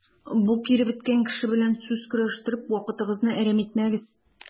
Бу киребеткән кеше белән сүз көрәштереп вакытыгызны әрәм итмәгез.